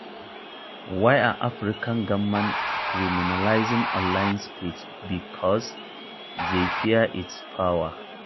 Why are African governments criminalising online speech? Because they fear its power.